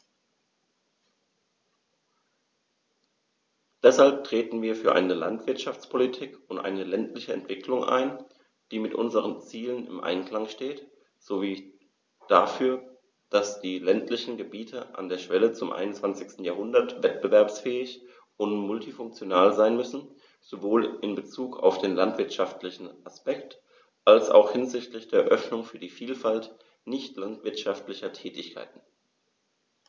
Deshalb treten wir für eine Landwirtschaftspolitik und eine ländliche Entwicklung ein, die mit unseren Zielen im Einklang steht, sowie dafür, dass die ländlichen Gebiete an der Schwelle zum 21. Jahrhundert wettbewerbsfähig und multifunktional sein müssen, sowohl in bezug auf den landwirtschaftlichen Aspekt als auch hinsichtlich der Öffnung für die Vielfalt nicht landwirtschaftlicher Tätigkeiten.